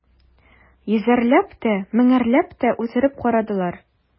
Йөзәрләп тә, меңәрләп тә үтереп карадылар.